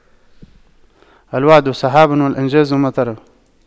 الوعد سحاب والإنجاز مطره